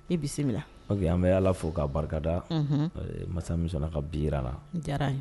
I bisimila ok an bɛ Ala fo k'a barikada, unhun, mansa min sɔnna ka bi jira an na, o diyara an ye